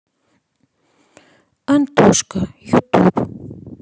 антошка ютуб